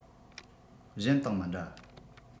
གཞན དང མི འདྲ